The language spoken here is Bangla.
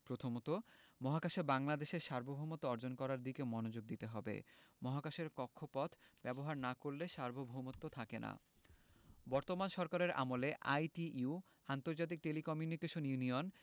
প্রথমত মহাকাশে বাংলাদেশের সার্বভৌমত্ব অর্জন করার দিকে মনোযোগ দিতে হবে মহাকাশের কক্ষপথ ব্যবহার না করলে সার্বভৌমত্ব থাকে না বর্তমান সরকারের আমলে আইটিইউ আন্তর্জাতিক টেলিকমিউনিকেশন ইউনিয়ন